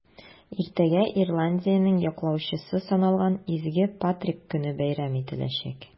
Иртәгә Ирландиянең яклаучысы саналган Изге Патрик көне бәйрәм ителәчәк.